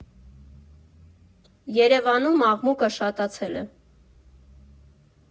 Երևանում աղմուկը շատացել է։